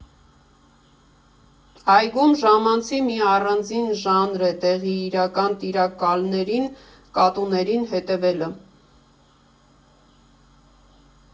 Այգում ժամանցի մի առանձին ժանր է տեղի իրական տիրակալներին՝ կատուներին հետևելը։